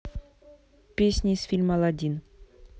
песни из фильма алладин